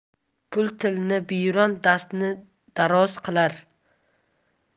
pul tilni biyron dastni daroz qilar